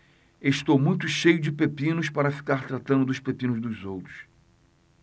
estou muito cheio de pepinos para ficar tratando dos pepinos dos outros